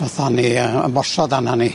Gathon ni yy ymosod arnon ni.